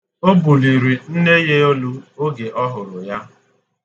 O buliri nne ya elu oge ọ hụrụ ya.